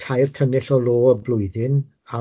...tair tynnell o lo y flwyddyn